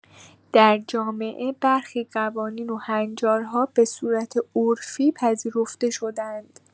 در جامعه برخی قوانین و هنجارها به صورت عرفی پذیرفته شده‌اند.